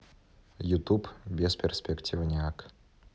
ютуб бесперспективняк